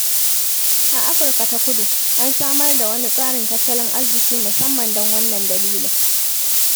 A Afirka ta Kudu, an samar da wani tsarin tattalin arziki musamman don wannan dalilin.